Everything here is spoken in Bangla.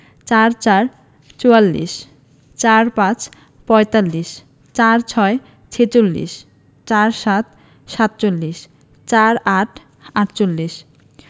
৪৪ – চুয়াল্লিশ ৪৫ - পঁয়তাল্লিশ ৪৬ - ছেচল্লিশ ৪৭ - সাতচল্লিশ ৪৮ -আটচল্লিশ